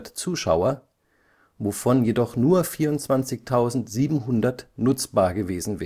Zuschauer, wovon jedoch nur 24.700 nutzbar gewesen